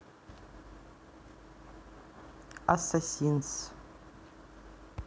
assassin's